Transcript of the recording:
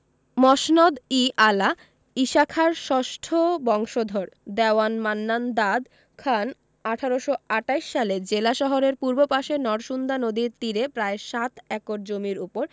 মসনদ ই আলা ঈশাখার ষষ্ঠ বংশধর দেওয়ান মান্নান দাদ খান ১৮২৮ সালে জেলা শহরের পূর্ব পাশে নরসুন্দা নদীর তীরে প্রায় সাত একর জমির ওপর